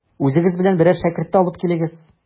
Үзегез белән берәр шәкерт тә алып килегез.